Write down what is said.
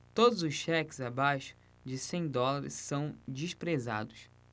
todos os cheques abaixo de cem dólares são desprezados